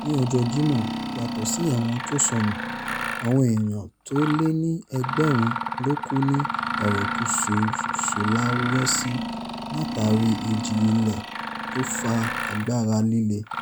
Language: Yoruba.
Ní ọjọ́ Jímọ̀, yàtọ̀ sí àwọn t’ọ́n sọnù, àwọn èèyàn t’ọ́n lé ní ẹgbẹ̀rin ló kú ní erékùsù Sulawesi látàrí ijì-ilẹ̀ tó fa àgbàrá líle.